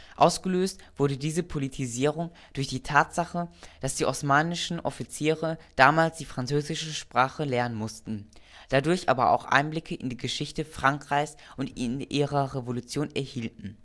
Ausgelöst wurde diese Politisierung durch die Tatsache, dass die osmanischen Offiziere damals die französische Sprache erlernen mussten, dadurch aber auch Einblicke in die Geschichte Frankreichs und ihrer Revolution erhielten